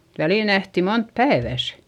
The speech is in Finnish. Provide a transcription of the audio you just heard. välillä nähtiin monta päivässä